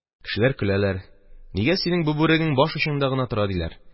Кешеләр көләләр, нигә синең бу бүрегең баш очында гына тора, диләр.